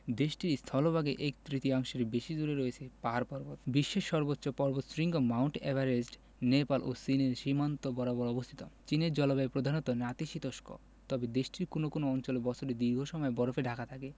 দেশটির স্থলভাগে এক তৃতীয়াংশের বেশি জুড়ে রয়ছে পাহাড় পর্বত বিশ্বের সর্বোচ্চ পর্বতশৃঙ্গ মাউন্ট এভারেস্ট নেপাল ও চীনের সীমান্ত বরাবর অবস্থিত চীনের জলবায়ু প্রধানত নাতিশীতোষ্ণ তবে দেশটির কোনো কোনো অঞ্চল বছরের দীর্ঘ সময় বরফে ঢাকা থাকে